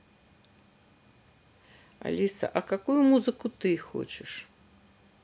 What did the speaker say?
алиса а какую музыку ты хочешь